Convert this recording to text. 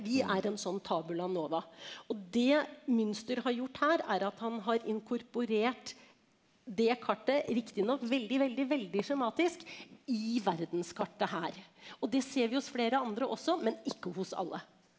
vi er en sånn , og det Münster har gjort her er at han har inkorporert det kartet riktignok veldig veldig veldig skjematisk i verdenskartet her, og det ser vi hos flere andre også men ikke hos alle.